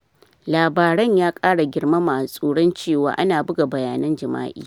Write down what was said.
Labaren ya kara girmama tsoron cewa ana buga bayanan jima'i.